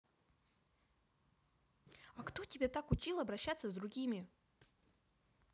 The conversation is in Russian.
а кто тебя так учил обращаться с другими